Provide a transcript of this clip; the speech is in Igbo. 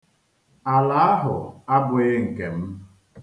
Ala ahụ abụghị nke m.